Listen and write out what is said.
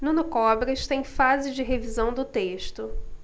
nuno cobra está em fase de revisão do texto